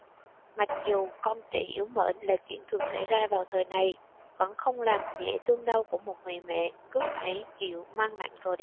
mặc dù con trẻ yểu mệnh là chuyện thường xảy ra vào thời này vẫn không làm nhẹ thương đau của một người mẹ cứ phải chịu mang nặng rồi